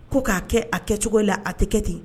Ko k'a kɛ a kɛcogo la a tɛ kɛ ten